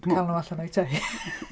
Cael nhw allan o'u tai.